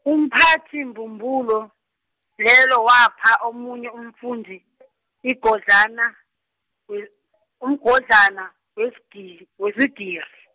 umphathi imbubulo, lelo wapha omunye umfundi , igodlana, we- umgodlana wesgi- weswigiri.